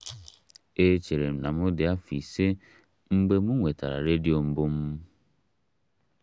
Echere m na m dị afọ 5 mgbe m nwetara redio mbụ m.